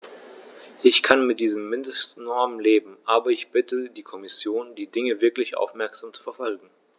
Ich kann mit diesen Mindestnormen leben, aber ich bitte die Kommission, die Dinge wirklich aufmerksam zu verfolgen.